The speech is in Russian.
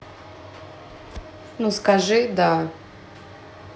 ну скажи да